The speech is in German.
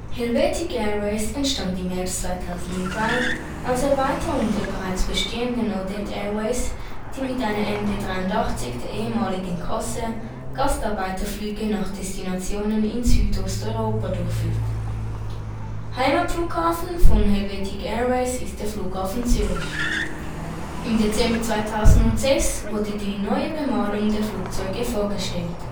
Helvetic Airways entstand im Herbst 2003 als Erweiterung der bereits bestehenden Odette Airways, die mit einer MD-83 der ehemaligen Crossair « Gastarbeiterflüge » nach Destinationen in Südosteuropa durchführt. Heimatflughafen von Helvetic Airways ist der Flughafen Zürich. Im Dezember 2006 wurde die neue Bemalung der Flugzeuge vorgestellt